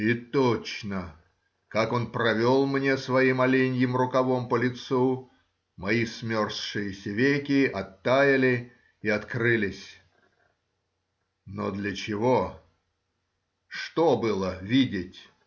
И точно, как он провел мне своим оленьим рукавом по лицу, мои смерзшиеся веки оттаяли и открылись. Но для чего? что было видеть?